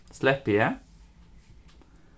sleppi eg